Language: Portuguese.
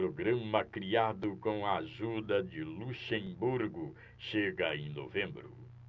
programa criado com a ajuda de luxemburgo chega em novembro